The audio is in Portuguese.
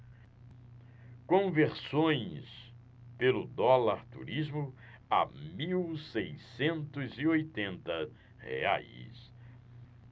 conversões pelo dólar turismo a mil seiscentos e oitenta reais